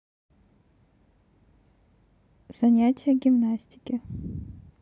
занятие гимнастики